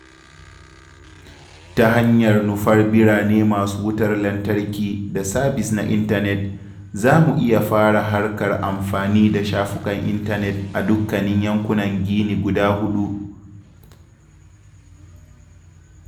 Ta hanyar nufar birane masu wutar lantarki da sabis na intanet, za mu iya fara harkar amfani da shafukan intanet a dukkanin yankunan Guinea guda huɗu.